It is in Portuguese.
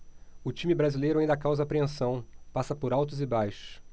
o time brasileiro ainda causa apreensão passa por altos e baixos